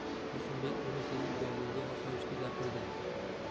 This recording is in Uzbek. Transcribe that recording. qosimbek buni sezib boburga osoyishta